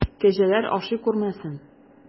Кәҗәләр ашый күрмәсен!